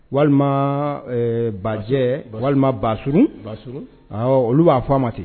Walima ɛ Bajɛ walima Basurun, awɔ olu b'a fɔ a ma ten